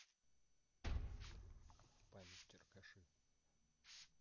в память черкаши